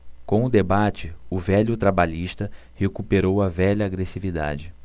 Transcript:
com o debate o velho trabalhista recuperou a velha agressividade